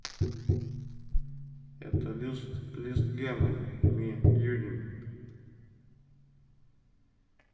это list gimme my jeans